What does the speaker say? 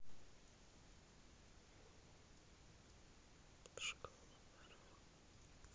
школа воров